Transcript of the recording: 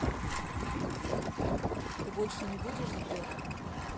ты больше не будешь сбер